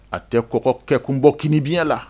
A tɛ Kɔkɔ kɛ kun bɔ kini biɲɛ la